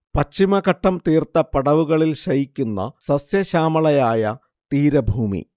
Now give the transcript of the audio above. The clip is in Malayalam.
പശ്ചിമഘട്ടം തീർത്ത പടവുകളിൽ ശയിക്കുന്ന സസ്യ ശ്യാമളയായ തീരഭൂമി